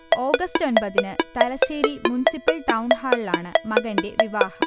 August ഒൻപതിന് Thalassery municipal ടൗൺഹാളിലാണ് മകന്റെ വിവാഹം